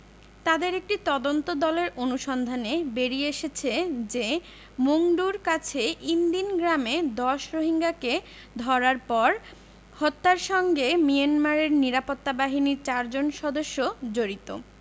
তাদের একটি তদন্তদলের অনুসন্ধানে বেরিয়ে এসেছে যে মংডুর কাছে ইনদিন গ্রামে ১০ রোহিঙ্গাকে ধরার পর হত্যার সঙ্গে মিয়ানমারের নিরাপত্তা বাহিনীর চারজন সদস্য জড়িত